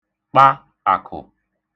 kpa àkụ̀